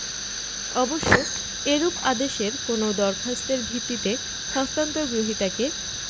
অবশ্য এরূপ আদেশের কোনও দরখাস্তের ভিত্তিতে হস্তান্তর গ্রহীতাকে